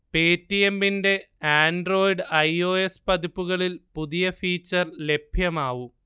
പേറ്റിയമ്മിന്റെ Android I. O. S പതിപ്പുകളിൽ പുതിയ feature ലഭ്യമാവും